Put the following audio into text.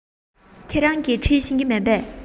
ཁྱེད རང གིས འབྲི ཤེས ཀྱི མེད པས